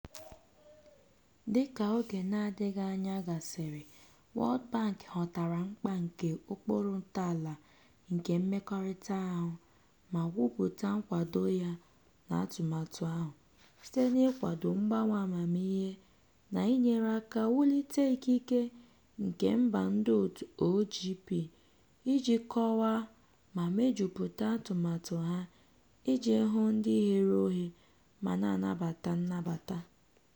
Dịka oge n'adịghị anya gasịrị, World Bank ghọtara mkpa nke ụkpụrụ ntọala nke Mmekọrịta ahụ ma kwupụta nkwado ya n'atụmatụ ahụ "site n'ịkwado mgbanwe amamihe na inyere aka wulite ikike nke mba ndịòtù OGP iji kọwaa ma mejupụta atụmatụ ha iji ghọọ ndị ghere oghe ma na-anabata nnabata."